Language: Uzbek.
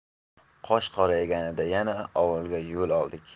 qosh qorayganda yana ovulga yo'l oldik